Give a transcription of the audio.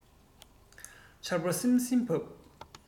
ཆར པ བསིམ བསིམ འབབས